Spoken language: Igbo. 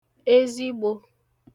ezigbō